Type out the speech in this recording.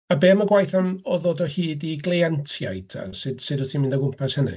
A be am y gwaith, yym, o ddod o hyd i gleientiaid ta? Sut sut wyt ti'n mynd o gwmpas hynny?